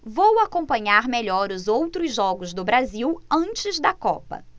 vou acompanhar melhor os outros jogos do brasil antes da copa